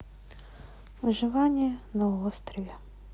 выживание на острове